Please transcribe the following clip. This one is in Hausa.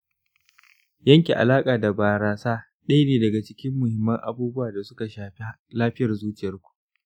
yanke alaƙa da barasa shine & ɗaya ne daga cikin muhimman abubuwa da su ka shafin lafiyar zuciyarku